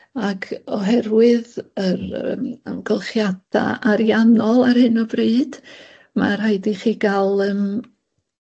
ac oherwydd yr yym amgylchiada ariannol ar hyn o bryd ma' rhaid i chi ga'l yym